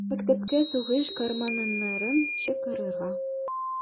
Мәктәпкә сугыш каһарманнарын чакырырга.